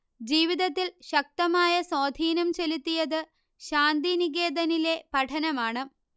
ജീവിതത്തിൽ ശക്തമായ സ്വാധീനം ചെലുത്തിയത് ശാന്തിനികേതനിലെ പഠനമാണ്